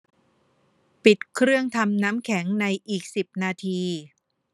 ปิดเครื่องทำน้ำแข็งในอีกสิบนาที